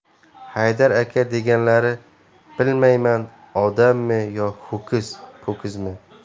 haydar aka deganlari bilmayman odammi yo ho'kiz po'kizmi